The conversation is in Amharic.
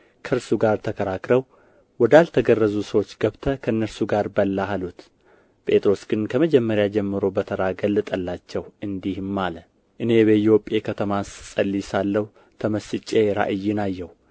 ከእርሱ ጋር ተከራክረው ወዳልተገረዙ ሰዎች ገብተህ ከእነርሱ ጋር በላህ አሉት ጴጥሮስ ግን ከመጀመሪያው ጀምሮ በተራ ገለጠላቸው እንዲህም አለ እኔ በኢዮጴ ከተማ ስጸልይ ሳለሁ ተመስጬ ራእይን አየሁ